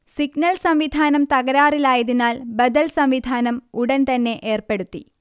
signal സംവിധാനം തകരാറിലായതിനാൽ ബദൽ സംവിധാനം ഉടൻ തന്നെ ഏർപ്പെടുത്തി